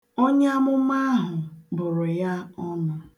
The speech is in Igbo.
Onye amụma ahụ bụrụ ya ọnụ.